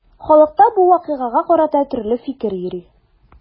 Халыкта бу вакыйгага карата төрле фикер йөри.